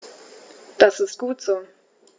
Das ist gut so.